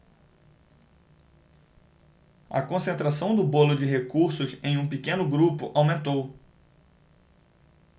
a concentração do bolo de recursos em um pequeno grupo aumentou